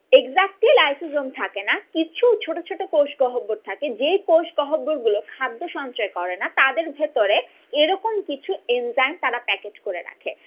exactly lysosome থাকে না কিছু ছোট ছোট কোষ গহবর থাকে যে কোষ গহবর গুলো খাদ্য সঞ্চয় করে না তাদের ভেতরে এরকম কিছু এনজাইম তারা প্যাকেট করে রাখে